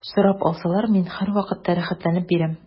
Сорап алсалар, мин һәрвакытта рәхәтләнеп бирәм.